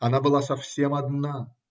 Она была совсем одна.